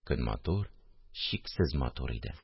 Көн матур, чиксез матур иде